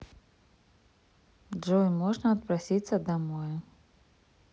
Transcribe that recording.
джой можно отпроситься домой